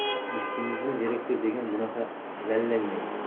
eshitdingizmi direktor degan bunaqa lalaymaydi